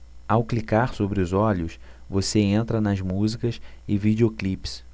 ao clicar sobre os olhos você entra nas músicas e videoclipes